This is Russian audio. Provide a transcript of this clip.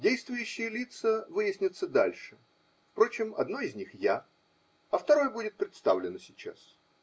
Действующие лица выяснятся дальше: впрочем, одно из них -- я, а второе будет представлено сейчас.